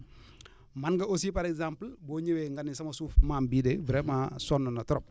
mën nga aussi par exemple boo ñëwee nga ne sama suuf maam bii de vraiment sonn natrop